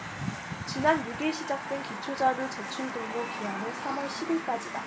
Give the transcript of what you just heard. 지난 육 일 시작된 기초자료 제출 등록 기한은 삼 월 십 일까지다